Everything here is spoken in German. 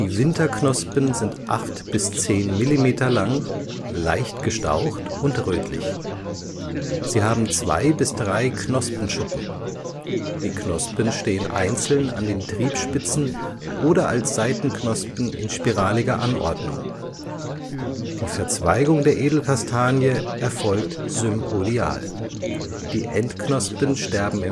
Winterknospen sind acht bis zehn Millimeter lang, leicht gestaucht und rötlich. Sie haben zwei bis drei Knospenschuppen. Die Knospen stehen einzeln an den Triebspitzen oder als Seitenknospen in spiraliger Anordnung (wie später auch die Blätter). Die Verzweigung der Edelkastanie erfolgt sympodial: die Endknospen sterben